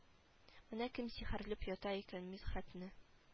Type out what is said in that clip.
Менә кем сихерләп ята икән мидхәтне